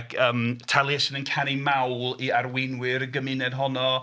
Ac yym Taliesin yn canu mawl i arweinwyr y gymuned honno.